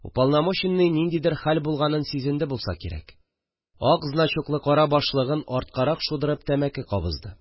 Уполномоченный ниндидер хәл булганын сизенде булса кирәк – ак значоклы кара башлыгын арткарак шудырып тәмәке кабызды